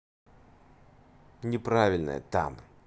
неправильная там